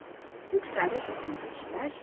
yuksalish uchun ishlash